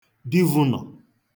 divūnọ̀